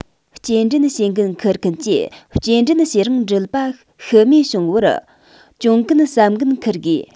སྐྱེལ འདྲེན བྱེད འགན འཁུར མཁན གྱིས སྐྱེལ འདྲེན བྱེད རིང འགྲུལ པ ཤི རྨས བྱུང བར གྱོང གུན གསབ འགན འཁུར དགོས